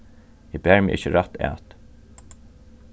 eg bar meg ikki rætt at